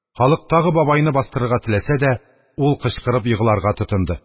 Халык тагы бабайны бастырырга теләсә дә, ул кычкырып егларга тотынды.